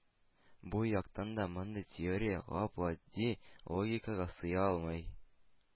Бу яктан да мондый теория гап-гади логикага сыя алмый,